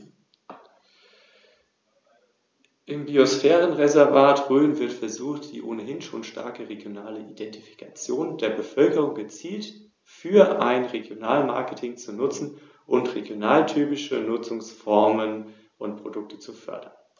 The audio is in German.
Damit beherrschte Rom den gesamten Mittelmeerraum.